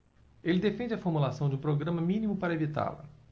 ele defende a formulação de um programa mínimo para evitá-la